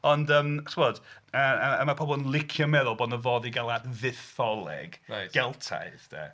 Ond yym, t'bod, a yy mae pobl yn licio meddwl bod 'na fodd i gael y fytholeg Geltaidd 'de.